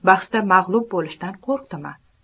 bahsda mag'lub bo'lishdan qo'rqdimi